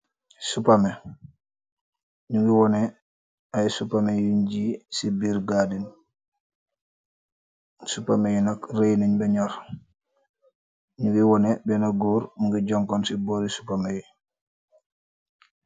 Supameh , jugeh woneh ayy supameh yug jiih , si birr garden supermeyeh nak reer nen ba guur nu geeh woneh bena goor mukeh jongon si bori supameyeh .